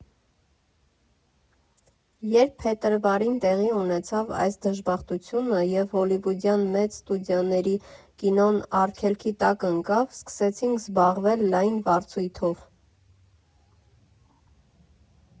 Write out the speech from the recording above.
Երբ փետրվարին տեղի ունեցավ այս դժբախտությունը, և հոլիվուդյան մեծ ստուդիաների կինոն արգելքի տակ ընկավ, սկսեցինք զբաղվել լայն վարձույթով։